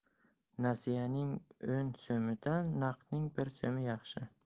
nasiyaning o'n so'midan naqdning bir so'mi yaxshi